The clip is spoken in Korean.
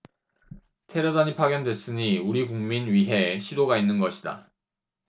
테러단이 파견됐으니 우리국민 위해 시도가 있는 것이다